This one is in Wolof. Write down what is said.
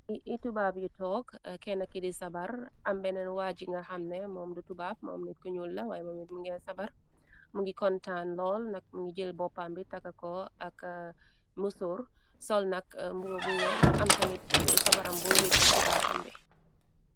Nyetti tubab yu took kennki di sabar am beneen waaji nga xamne moom du tubaab. Moom nit ku ñul la waaye moomit mu ngin sabar. Mu ngi kontaan lool nak mu ngi jël boppam bi taka ko. Ak musor sol nak mbumo bu weex. Am tamit sabaram bu wekka ci baatam bi.